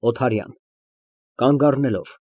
ՕԹԱՐՅԱՆ ֊ (Կանգ առնելով)։